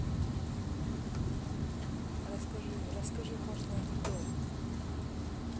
расскажи расскажи пошлый анекдот